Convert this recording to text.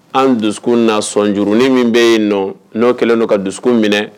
An dusukun na sɔnjurunin min be yennɔ n'o kɛlen do ka dusukun minɛ